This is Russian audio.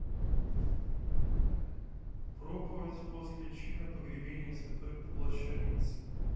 проповедь после чина погребения святой плащаницы